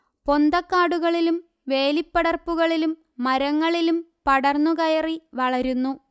പൊന്തക്കാടുകളിലും വേലിപ്പടർപ്പുകളിലും മരങ്ങളിലും പടർന്നു കയറി വളരുന്നു